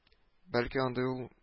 Бәлки андый ул